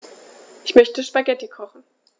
Ich möchte Spaghetti kochen.